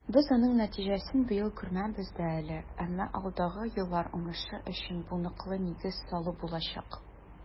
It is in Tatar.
Без аның нәтиҗәсен быел күрмәбез дә әле, әмма алдагы еллар уңышы өчен бу ныклы нигез салу булачак.